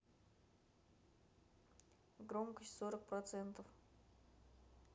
громкость сорок процентов